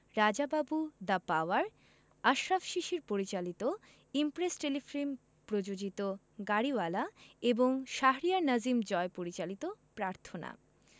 রাজা Babu the power Ashraf Shishir পরিচালিত Impress Telefilm প্রযোজিত গাড়িওয়ালা এবং শাহরিয়ার নাজিম জয় পরিচালিত প্রার্থনা